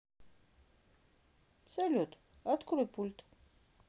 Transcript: салют открыть пульт